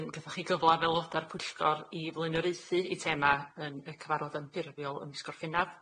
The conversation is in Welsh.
A wedyn gathoch chi gyfla fel loda'r pwllgor i flaenoraethu i thema yn y cyfarfod ymffurfiol ym mis Gorffennaf.